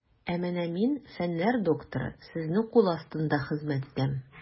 Ә менә мин, фәннәр докторы, сезнең кул астында хезмәт итәм.